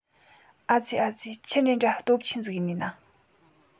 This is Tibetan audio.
ཨ ཙེ ཨ ཙེ ཆི འདྲ འདྲ སྟོབས ཆེན ཟིག ཡིན ནིས ན